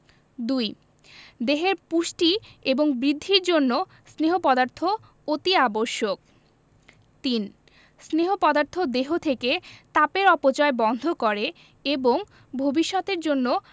২. দেহের পুষ্টি এবং বৃদ্ধির জন্য স্নেহ পদার্থ অতি আবশ্যক ৩. স্নেহ পদার্থ দেহ থেকে তাপের অপচয় বন্ধ করে এবং ভবিষ্যতের জন্য